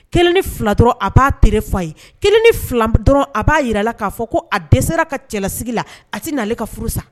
Kelen ni fila dɔrɔn a b'a t fɔ a ye kelen ni fila dɔrɔn a b'a jira a la k'a fɔ ko a dɛsɛsera ka cɛlasigi la a tɛ naale ka furu san